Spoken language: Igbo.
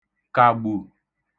kàgbù